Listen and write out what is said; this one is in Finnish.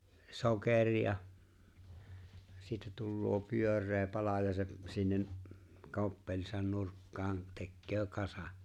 sokeria siitä tulee pyöreä pala ja se sinne koppelinsa nurkkaan tekee kasan